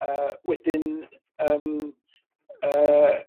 yy wedyn yym yy